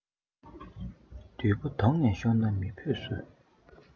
བདུད པོ དོང ནས ཤོར ན མི ཕོ གསོད